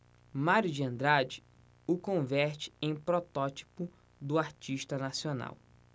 mário de andrade o converte em protótipo do artista nacional